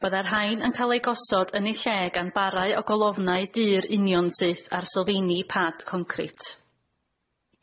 byddai rhain yn ca'l eu gosod yn eu lle gan barau o golofnau dŷr union syth ar sylfaeni pad concrit.